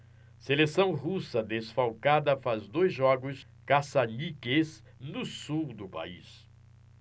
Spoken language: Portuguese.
seleção russa desfalcada faz dois jogos caça-níqueis no sul do país